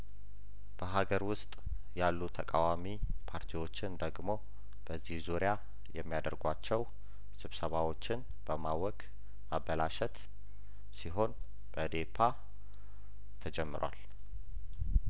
በሀገር ውስጥ ያሉ ተቃዋሚ ፓርቲዎችን ደግሞ በዚህ ዙሪያ የሚያደርጉዋቸው ስብሰባዎችን በማወክ ማበላሽት ሲሆን በእዴፓ ተጀምሯል